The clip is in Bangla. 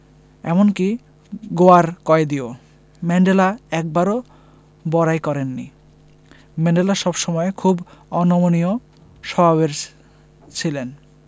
এমনকি গোঁয়ার কয়েদিও ম্যান্ডেলা একবারও বড়াই করেননি ম্যান্ডেলা সব সময় খুব অনমনীয় স্বভাবের ছিলেন